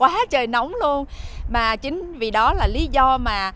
quá trời nóng luôn mà chính vì đó là lý do mà